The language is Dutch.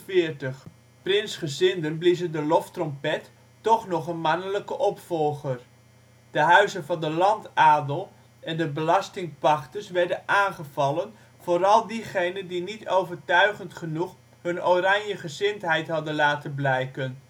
1748. Prinsgezinden bliezen de loftrompet, toch nog een mannelijke opvolger. De huizen van de landadel (grietmannen) en de belastingpachters werden aangevallen, vooral diegene die niet overtuigend genoeg hun Oranjegezindheid hadden laten blijken